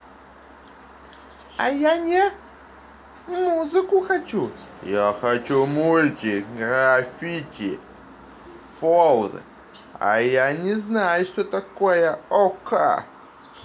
а я не музыку хочу я хочу мультик гравити фолз а я не знаю что такое okko